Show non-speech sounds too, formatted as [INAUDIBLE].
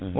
[HESITATION] [HESITATION]